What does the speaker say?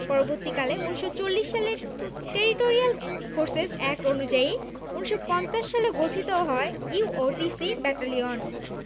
পরবর্তীকালে ১৯৪০ সালের territorial forces act অনুযায়ী ১৯৫০ সালে গঠিত হয় ইউওটিসি ব্যাটালিয়ন